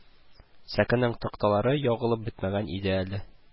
Сәкенең такталары ягылып бетмәгән иде әле